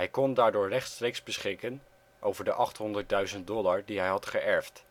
kon daardoor rechtstreeks beschikken over de 800.000 dollar die hij had geërfd